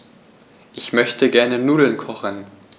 Ich möchte gerne Nudeln kochen.